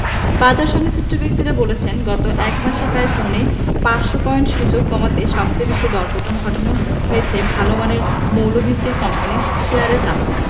বাজারসংশ্লিষ্ট ব্যক্তিরা বলছেন গত এক মাসে প্রায় পৌনে ৫০০ পয়েন্ট সূচক কমাতে সবচেয়ে বেশি দরপতন ঘটানো হয়েছে ভালো মানের মৌলভিত্তির কোম্পানির শেয়ারের দামের